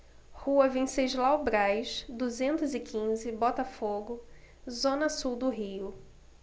rua venceslau braz duzentos e quinze botafogo zona sul do rio